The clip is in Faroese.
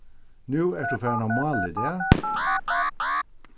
nú ert tú farin at mála í dag